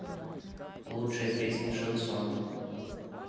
лучшие песни шансон